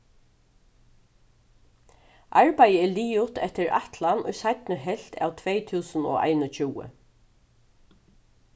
arbeiðið er liðugt eftir ætlan í seinnu helvt av tvey túsund og einogtjúgu